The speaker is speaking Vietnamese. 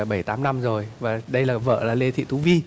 bảy tám năm rồi và đây là vợ em là lê thị tú vy